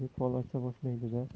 deb fol ocha boshlaydi da